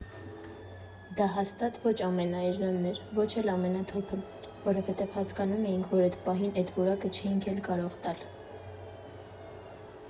Դա հաստատ ոչ ամենաէժանն էր, ոչ էլ ամենաթոփը, որովհետև հասկանում էինք, որ էդ պահին էդ որակը չէինք էլ կարող տալ։